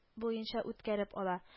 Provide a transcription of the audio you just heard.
Буенча үткәреп ала